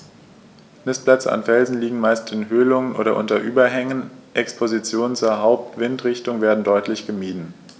Nistplätze an Felsen liegen meist in Höhlungen oder unter Überhängen, Expositionen zur Hauptwindrichtung werden deutlich gemieden.